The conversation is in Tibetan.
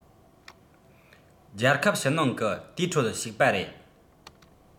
རྒྱལ ཁབ ཕྱི ནང གི དེའི ཁྲོད ཞུགས པ རེད